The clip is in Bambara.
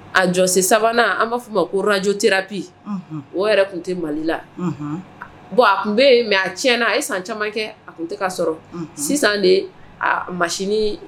A jɔsen 3nan an b'a fɔ o ma ko radiothérapie unhun, o yɛrɛ tun tɛ Mali la, unhun, bon a tun bɛ yen mais a tiɲɛna e ye san caman kɛ a tun tɛ ka sɔrɔ, unhun, sisan de, a machiune